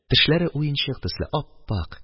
Тешләре уенчык төсле ап-ак